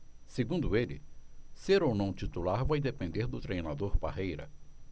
segundo ele ser ou não titular vai depender do treinador parreira